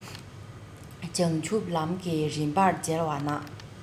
བྱང ཆུབ ལམ གྱི རིམ པར མཇལ བ ན